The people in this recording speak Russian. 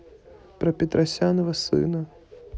про петросянова сына